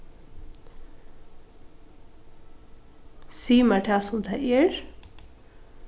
sig mær tað sum tað er